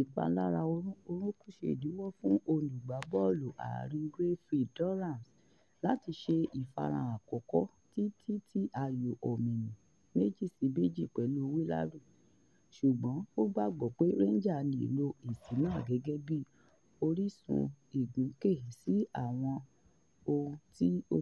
Ìpalára orúkún ṣe ìdíwọ́ fún olùgbábọ́ọ̀lù àárín Grafield Dorrans lát ṣe ìfarahàn àkọ́kọ́ tí títí tí ayò ọ̀mìnì 2-2 pẹ̀lú Villarreal ṣùgbọ́n ó gbàgbó pé Rangers lè lo èsì náà gẹ́gẹ́ bí orísun ìgùnkè sí àwọn ohun tí ó